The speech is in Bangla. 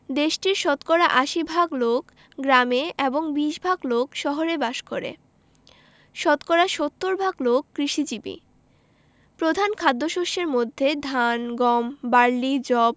দেশটির শতকরা ৮০ ভাগ লোক গ্রামে এবং ২০ ভাগ লোক শহরে বাস করে শতকরা ৭০ ভাগ লোক কৃষিজীবী প্রধান খাদ্যশস্যের মধ্যে ধান গম বার্লি যব